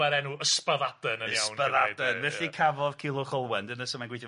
...yr enw Ysbyddaden yn iawn... Ysbaddaden. Felly cafodd Culhwch Olwen dyna su mae'n gweithio.